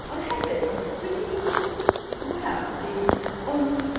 Ond hefyd fel, be dwi 'di gweld yw o'n...